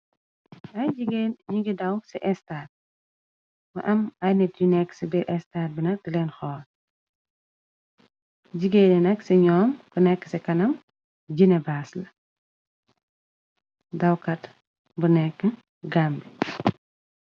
Ay jigeen nungi daw ci estaad bi mu am ay nit yu nekka ci estaad bi nak dilen xoll jigeen yi nekka ci ñoom ko nekk ci kanam Gina Bass la dawkat bu nekka Gambie.